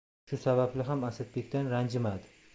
shu sababli ham asadbekdan ranjimadi